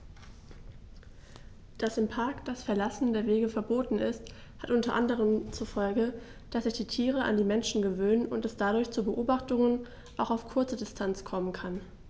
Dass im Park das Verlassen der Wege verboten ist, hat unter anderem zur Folge, dass sich die Tiere an die Menschen gewöhnen und es dadurch zu Beobachtungen auch auf kurze Distanz kommen kann.